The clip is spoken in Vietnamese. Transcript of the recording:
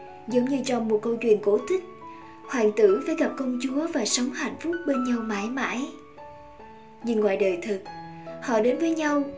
giống như trong một câu chuyện cổ tích hoàng tử phải gặp công chúa và sống hạnh phúc bên nhau mãi mãi nhưng ngoài đời thực họ đến với nhau